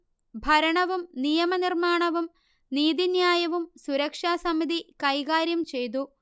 ഭരണവും നിയമനിർമ്മാണവും നീതിന്യായവും സുരക്ഷാസമിതി കൈകാര്യം ചെയ്തു